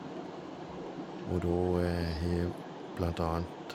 og da Jeg har jo blant annet...